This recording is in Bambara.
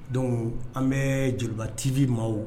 Dɔnku an bɛ jelibabatibi maaw